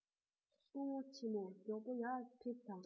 སྐུ ངོ ཆེན མོ མགྱོགས པོ ཡར ཕེབས དང